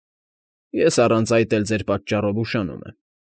Ես առանց այդ էլ ձեր պատճառով ուշանում եմ։